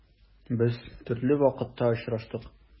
Без төрле вакытта очраштык.